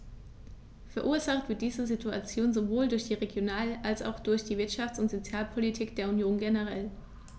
Verursacht wird diese Situation sowohl durch die Regional- als auch durch die Wirtschafts- und Sozialpolitik der Union generell.